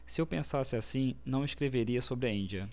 se eu pensasse assim não escreveria sobre a índia